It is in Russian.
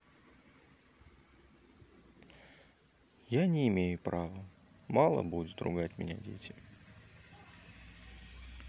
я не имею право мало будет ругать меня дети